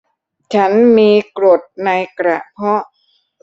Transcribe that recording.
ฉันมีกรดในกระเพาะ